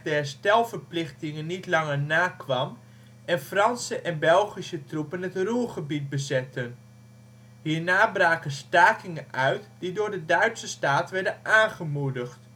herstelverplichtingen niet langer nakwam en Franse en Belgische troepen het Ruhrgebied bezetten. Hierna braken stakingen uit die door de Duitse staat werden aangemoedigd